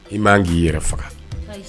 I m'an k'i yɛrɛ faga